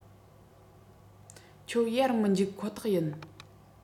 ཁྱོད ཡར མི འཇུག ཁོ ཐག ཡིན